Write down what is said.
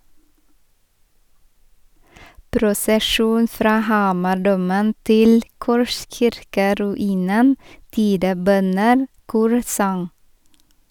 Prosesjon fra Hamardomen til korskirkeruinen, tidebønner, korsang.